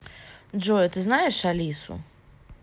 джой а ты знаешь алису